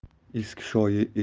eski shoyi eshakka